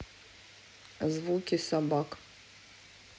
звуки собак